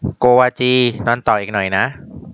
โกวาจีนอนต่ออีกหน่อยนะ